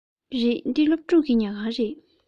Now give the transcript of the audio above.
རེད འདི སློབ ཕྲུག གི ཉལ ཁང རེད